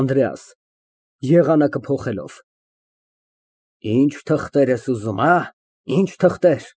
ԱՆԴՐԵԱՍ ֊ (Եղանակը փոխելով) Ի՞նչ թղթեր ես ուզում, ա՞, ի՞նչ թղթեր։